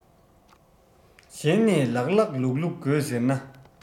གཞན ནས ལགས ལགས ལུགས ལུགས དགོས ཟེར ན